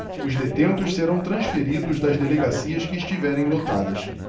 os detentos serão transferidos das delegacias que estiverem lotadas